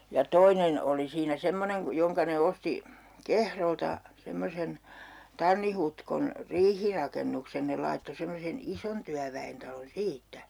ja toinen oli siinä semmoinen - jonka ne osti Kehrolta semmoisen Tannin Hutkon riihirakennuksen ne laittoi semmoisen ison työväentalon siitä